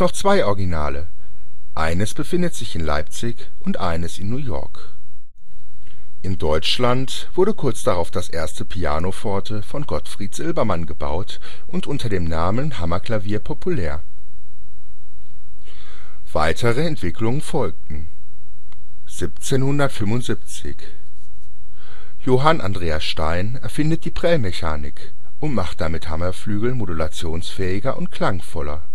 zwei Originale, eines befindet sich in Leipzig und eines in New York. In Deutschland wurde kurz darauf das erste „ Pianoforte “von Gottfried Silbermann gebaut und unter dem Namen Hammerklavier populär. Weitere Entwicklungen folgten: 1775 – Johann Andreas Stein erfindet die Prellmechanik und macht damit Hammerflügel modulationsfähiger und klangvoller